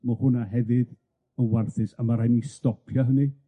Ma' hwnna hefyd yn warthus, a ma' raid ni stopio hynny.